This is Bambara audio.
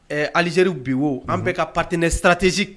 Ɛɛ Algeri b wo , an bɛɛ ka partenaires strategiques